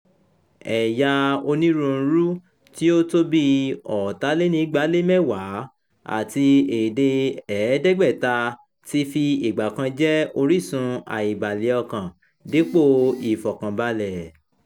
Ẹ̀yà onírúurú – tí ó tó bíi 250 àti èdè 500 – ti fi ìgbà kan jẹ́ orísun àìbalẹ̀ọkàn dípòo ìfọ̀kànbalẹ̀.